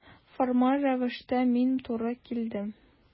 Формаль рәвештә мин туры килдем.